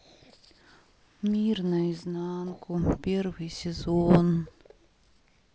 мир наизнанку первый сезон